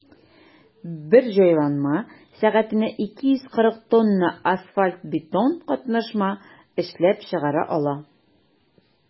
Бер җайланма сәгатенә 240 тонна асфальт–бетон катнашма эшләп чыгара ала.